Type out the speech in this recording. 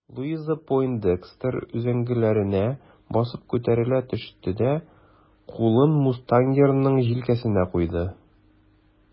Луиза Пойндекстер өзәңгеләренә басып күтәрелә төште дә кулын мустангерның җилкәсенә куйды.